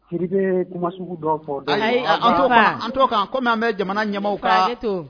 Kibe kuma sugu dɔ fɔ an an to kɔmi mɛ an bɛ jamana ɲaw kan